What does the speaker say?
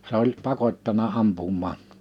se oli pakottanut ampumaan